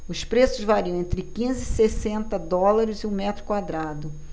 os preços variam entre quinze e sessenta dólares o metro quadrado